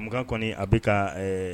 Mukan kɔni a bɛ ka ɛɛ